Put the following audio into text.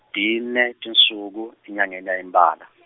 -tine, tinsuku, enyangeni ya Impala .